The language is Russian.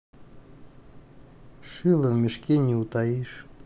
шила в мешке не утаишь